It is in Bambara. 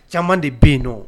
Caman de bɛ yenɔ